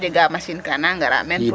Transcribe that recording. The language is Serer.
kaaf kaa jegaa machine ka na ngaraa meen.